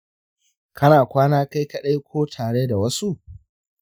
kana kwana kai kaɗai ko tare da wasu?